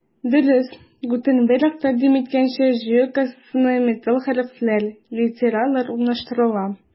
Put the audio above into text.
Дөрес, Гутенберг тәкъдим иткәнчә, җыю кассасына металл хәрефләр — литералар урнаштырыла.